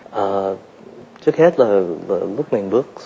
ờ trước hết từ lúc mình bước